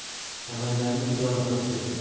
samandarni xudo rahmat qilsin